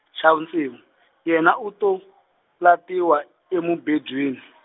xa vu ntsevu, yena u to, latiwa, emubedweni.